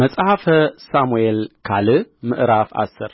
መጽሐፈ ሳሙኤል ካል ምዕራፍ አስር